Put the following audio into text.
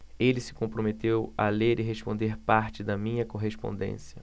ele se comprometeu a ler e responder parte da minha correspondência